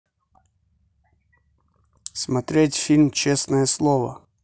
смотреть фильм честное слово